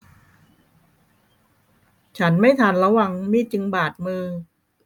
ฉันไม่ทันระวังมีดจึงบาดมือ